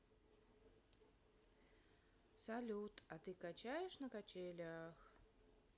салют а ты качаешь на качелях